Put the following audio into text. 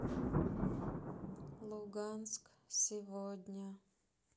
луганск сегодня